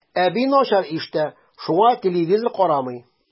Әби начар ишетә, шуңа телевизор карамый.